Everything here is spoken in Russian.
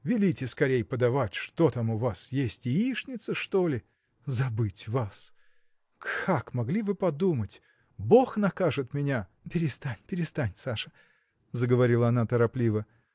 – велите скорей подавать что там у вас есть яичница, что ли? Забыть вас! Как могли вы подумать? Бог накажет меня. – Перестань перестань Саша – заговорила она торопливо